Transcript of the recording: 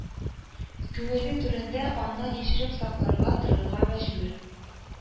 Күңеле түрендә аннан яшереп саклап торырга мәҗбүр